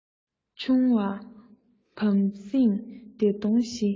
ཆུང བ བམ སྲིང འདྲེ གདོང བཞི